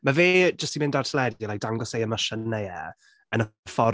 Mae fe jyst 'di mynd ar teledu a like dangos ei emosiynau e yn y ffordd...